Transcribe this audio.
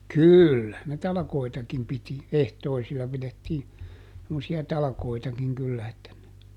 kyllähän ne talkoitakin piti ehtoisilla pidettiin semmoisia talkoitakin kyllä että